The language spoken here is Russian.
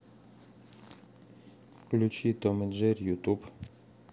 включи том и джерри ютуб